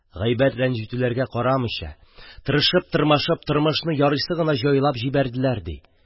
Гайбәт-рәнҗетүләргә карамыйча, тырышып-тырмашып, тормышны ярыйсы гына җайлап җибәрделәр ди.